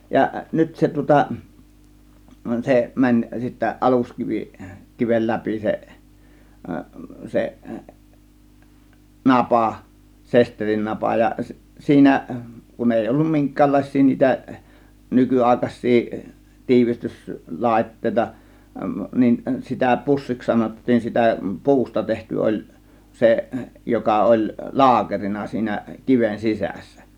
ja nyt se tuota se meni sitten aluskivi kiven läpi se se napa sesterinnapa ja siinä kun ei ollut minkäänlaisia niitä nykyaikaisia - tiivistyslaitteita niin sitä pussiksi sanottiin sitä puusta tehty oli se joka oli laakerina siinä kiven sisässä